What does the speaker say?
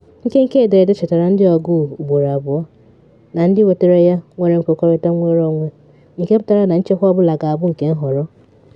Nkenke ederede chetara ndị ọgụụ- ugboro abụọ -na ndị wetere ya nwere nkwekọrịta nnwere onwe, nke pụtara na nchekwa ọbụla ga-abụ nke nhọrọ.